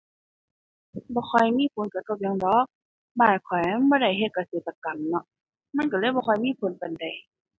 บ่ค่อยมีผลกระทบหยังดอก บ้านข้อยมันบ่ได้เฮ็ดเกษตรกรรมเนาะ มันก็เลยบ่ค่อยมีผลปานใด